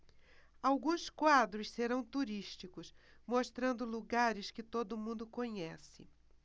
alguns quadros serão turísticos mostrando lugares que todo mundo conhece